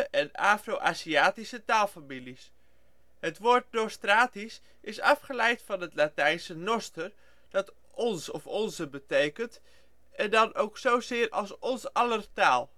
en Afro-Aziatische taalfamilies. Het woord Nostratisch is afgeleid van het Latijnse noster (" ons/onze ") en betekent dan ook zoveel als " ons aller taal